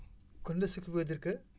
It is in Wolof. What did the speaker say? kon nag ce qui veut dire que